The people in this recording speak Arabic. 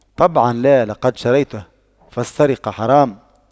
طبعا لا لقد شريته فالسرقة حرام